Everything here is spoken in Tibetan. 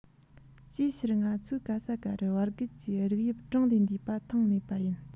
ཅིའི ཕྱིར ང ཚོས ག ས ག རུ བར བརྒལ གྱི རིགས དབྱིབས གྲངས ལས འདས པ མཐོང མེད པ ཡིན